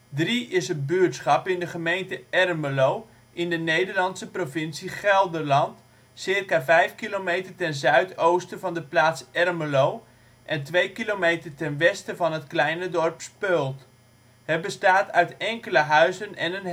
Drie is een buurtschap in de gemeente Ermelo, in de Nederlandse provincie Gelderland, circa 5 kilometer ten zuidoosten van de plaats Ermelo en 2 km ten westen van het kleine dorp Speuld. Het bestaat uit enkele huizen en een